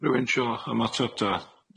Rywun sio ymatab ta?